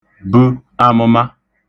bə amə̣ma